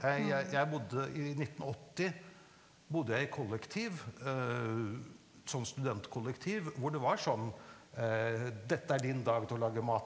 jeg jeg jeg bodde i 1980 bodde jeg i kollektiv sånn studentkollektiv hvor det var sånn dette er din dag til å lage mat.